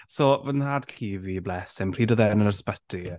So fy nhad-cu fi, bless him pryd oedd e yn yr ysbyty...